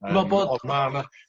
Me'wl bod... O'dd ma' na...